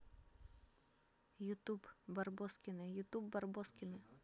ютуб барбоскины ютуб барбоскины